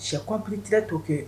Sɛkunɔnptera t'o kɛ